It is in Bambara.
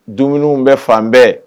Dumuniw bɛ fan bɛɛ